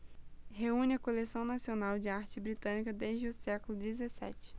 reúne a coleção nacional de arte britânica desde o século dezessete